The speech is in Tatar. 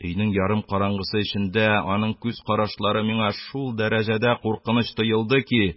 Өйнең ярым караңгысы эчендә аның күз карашлары миңа шул дәрәҗәдә куркыныч тоелды ки,